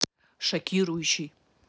шокирующий